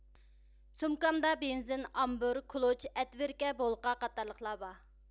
سومكامدا بېنزىن ئامبۇر كۇلۇچ ئەتۋىركە بولقا قاتارلىقلار بار